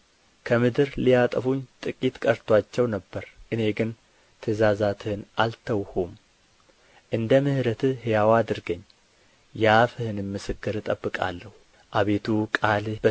ከምድር ሊያጠፉኝ ጥቂት ቀርቶአቸው ነበር እኔ ግን ትእዛዛትህን አልተውሁም እንደ ምሕረትህ ሕያው አድርገኝ የአፍህንም ምስክር እጠብቃለሁ አቤቱ ቃልህ